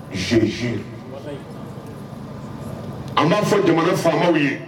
Je jure walahi an b'a fɔ jamana faamaw ye